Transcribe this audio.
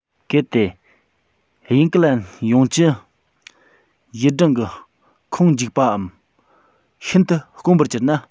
གལ ཏེ དབྱིན ཀེ ལན ཡོངས ཀྱི ཡུལ སྦྲང གི ཁོངས འཇིག པའམ ཤིན ཏུ དཀོན པོར གྱུར ན